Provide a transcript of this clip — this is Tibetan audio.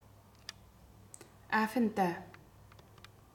ཨ ཧྥེན ཏ